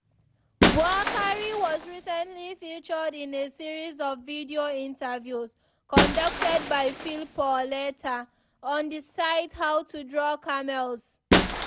Boukary was recently featured in a series of video interviews conducted by Phil Paoletta on the site How to Draw Camels.